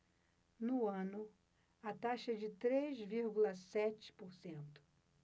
no ano a taxa é de três vírgula sete por cento